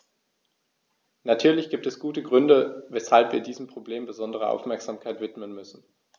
Natürlich gibt es gute Gründe, weshalb wir diesem Problem besondere Aufmerksamkeit widmen müssen.